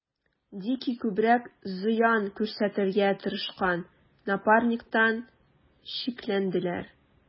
Дикий күбрәк зыян күрсәтергә тырышкан Напарниктан шикләнделәр.